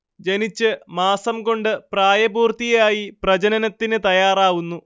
ജനിച്ച് മാസം കൊണ്ട് പ്രായപൂർത്തിയായി പ്രജനനത്തിന് തയ്യാറാവുന്നു